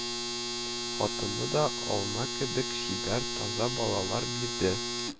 Хатыны да алма кебек чибәр, таза балалар бирде